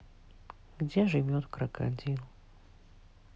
где живет крокодил